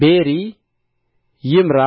ቤሪ ይምራ